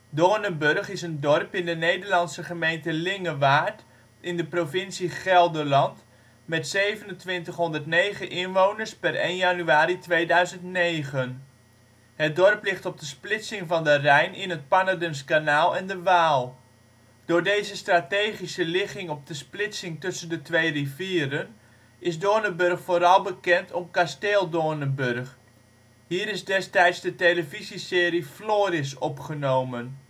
Doornenburg is een dorp in de Nederlandse gemeente Lingewaard in de provincie Gelderland met 2709 inwoners (per 1 januari 2009). Het dorp ligt op de splitsing van de Rijn in het Pannerdensch Kanaal en de Waal. Door deze strategische ligging op de splitsing tussen de twee rivieren is Doornenburg vooral bekend om Kasteel Doornenburg. Hier is destijds de televisie-serie Floris opgenomen